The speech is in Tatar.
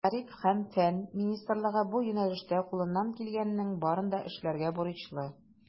Мәгариф һәм фән министрлыгы бу юнәлештә кулыннан килгәннең барын да эшләргә бурычлы.